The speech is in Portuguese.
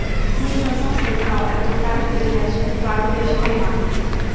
sua intenção central é tocar os projetos que o fábio deixou armados